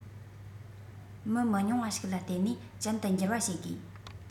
མི མི ཉུང བ ཞིག ལ བརྟེན ནས ཅན དུ འགྱུར བ བྱེད དགོས